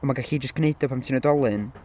Ond mae gallu jyst gwneud o pan ti'n oedolyn ...